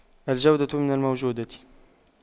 الجودة من الموجودة